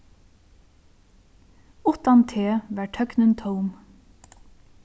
uttan teg var tøgnin tóm